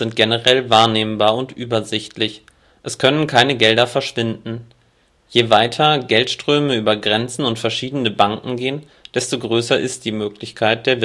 generell wahrnehmbar und übersichtlich. Es können keine Gelder " verschwinden ". Je weiter Geldströme über Grenzen und verschiedene Banken gehen, desto größer ist die Möglichkeit der